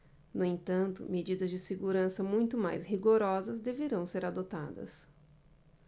no entanto medidas de segurança muito mais rigorosas deverão ser adotadas